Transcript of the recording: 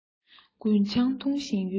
རྒུན ཆང འཐུང བཞིན ཡོད